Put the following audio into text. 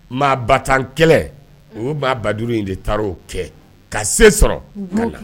Maa ba tan kɛlɛ o ba ba duuru in de taara'o kɛ ka se sɔrɔ